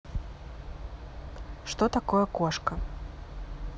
что такое кошка